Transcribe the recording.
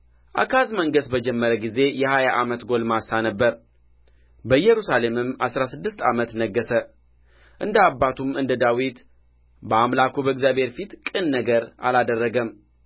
አካዝ መንገሥ በጀመረ ጊዜ የሀያ ዓመት ጕልማሳ ነበረ በኢየሩሳሌምም አሥራ ስድስት ዓመት ነገሠ እንደ አባቱም እንደ ዳዊት በአምላኩ በእግዚአብሔር ፊት ቅን ነገር አላደረገም